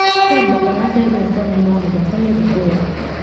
Ford gbakwara akaebe nke ọnụnụ ahụ gbasara ebubo ya.